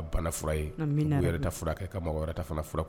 Wɛrɛ